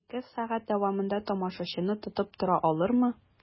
Ике сәгать дәвамында тамашачыны тотып тора алырмы?